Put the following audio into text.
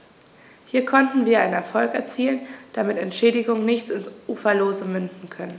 Hier konnten wir einen Erfolg erzielen, damit Entschädigungen nicht ins Uferlose münden können.